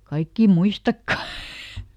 kaikkia muistakaan